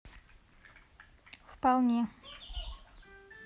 вполне